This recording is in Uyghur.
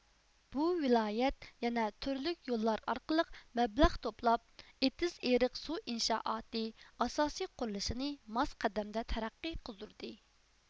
بۇ ۋىلايەت يەنە تۈرلۈك يوللار ئارقىلىق مەبلەغ توپلاپ ئېتىز ئېرىق سۇ ئىنشائاتى ئاساسى قۇرۇلۇشىنى ماس قەدەمدە تەرەققىي قىلدۇردى